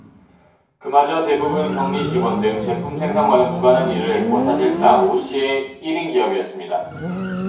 그마저 대부분 경리직원 등 제품 생산과는 무관한 일을 했고 사실상 오 씨의 일 인 기업이었습니다